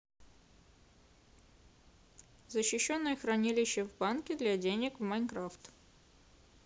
защищенное хранилище в банке для денег в minecraft